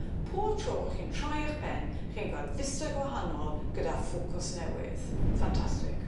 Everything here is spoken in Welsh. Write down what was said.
Pob tro chi'n troi 'ych pen chi'n gweld vista gwahanol gyda ffocws newydd. Ffantastic.